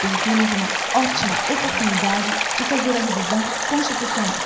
perdemos uma ótima oportunidade de fazer a revisão constitucional